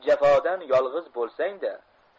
jafodan yolgiz bo'lsang da